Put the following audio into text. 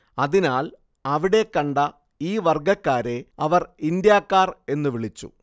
അതിനാൽ അവിടെ കണ്ട ഈ വർഗ്ഗക്കാരെ അവർ ഇന്ത്യക്കാർ എന്ന് വിളിച്ചു